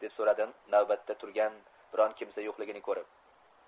deb so'radim navbat gurgan biron kimsa yo'qligini ko'rib